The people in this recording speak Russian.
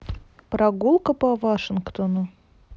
прогулка по вашингтону